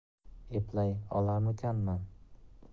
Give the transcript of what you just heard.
eplay olarmikinman